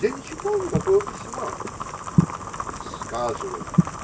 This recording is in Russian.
-- Я не читал никакого письма. -- Рассказывай!